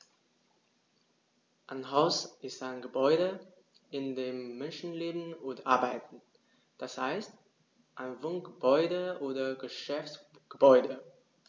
Ein Haus ist ein Gebäude, in dem Menschen leben oder arbeiten, d. h. ein Wohngebäude oder Geschäftsgebäude.